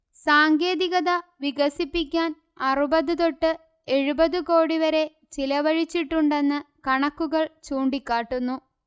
സാങ്കേതികത വികസിപ്പിക്കാൻഅറുപത് തൊട്ട് എഴുപത് കോടിവരെ ചിലവഴിച്ചിട്ടുണ്ടെന്ന്കണക്കുകൾ ചൂണ്ടികാട്ടുന്നു